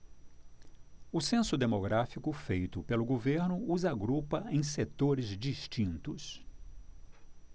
o censo demográfico feito pelo governo os agrupa em setores distintos